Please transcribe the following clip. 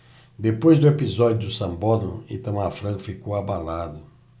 depois do episódio do sambódromo itamar franco ficou abalado